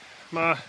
Ma'